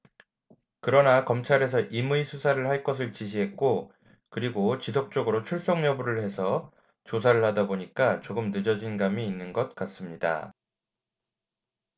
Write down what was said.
그러나 검찰에서 임의수사를 할 것을 지시를 했고 그리고 지속적으로 출석 여부를 해서 조사를 하다 보니까 조금 늦어진 감이 있는 것 같습니다